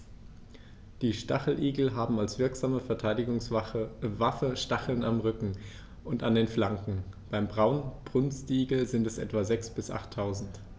Die Stacheligel haben als wirksame Verteidigungswaffe Stacheln am Rücken und an den Flanken (beim Braunbrustigel sind es etwa sechs- bis achttausend).